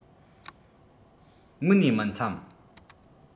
དངོས ནས མི འཚམ